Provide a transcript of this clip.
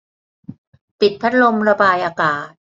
ปิดพัดลมระบายอากาศ